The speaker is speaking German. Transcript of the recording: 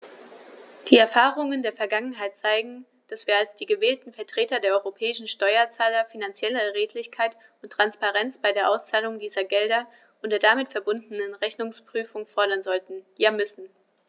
Die Erfahrungen der Vergangenheit zeigen, dass wir als die gewählten Vertreter der europäischen Steuerzahler finanzielle Redlichkeit und Transparenz bei der Auszahlung dieser Gelder und der damit verbundenen Rechnungsprüfung fordern sollten, ja müssen.